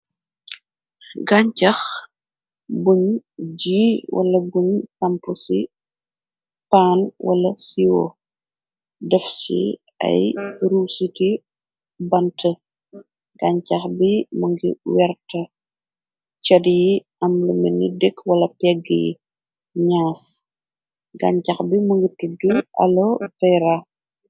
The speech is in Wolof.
gañcax buñ jii wala buñ samp ci paan wala sio def ci ay ro siti bant gañcax bi më ngi werta car yi amlumeni dëkk wala pegg yi ñaaz gañcax bi më ngi tijju alo fera